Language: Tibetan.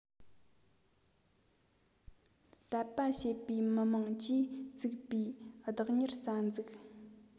དད པ བྱེད པའི མི དམངས ཀྱིས བཙུགས པའི བདག གཉེར རྩ འཛུགས